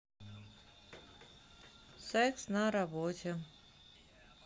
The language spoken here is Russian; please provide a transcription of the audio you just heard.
секс на работе